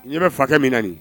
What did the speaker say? N bɛ fakɛ min na